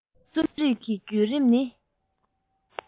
རྩོམ རིག གི རྒྱུད རིམ ནི